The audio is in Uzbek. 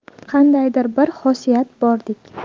qandaydir bir xosiyat bordek